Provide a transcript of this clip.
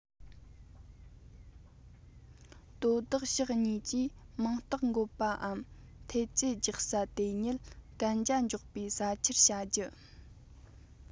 དོ བདག ཕྱོགས གཉིས ཀྱིས མིང རྟགས འགོད པའམ ཐེལ ཙེ རྒྱག ས དེ ཉིད གན རྒྱ འཇོག པའི ས ཆར བྱ རྒྱུ